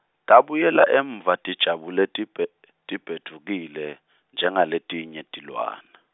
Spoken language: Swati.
Tabuyela emuva tijabule tibhe- tibhedvukile, njengaletinye tilwane.